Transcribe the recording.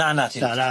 Na na ti'n... Na na.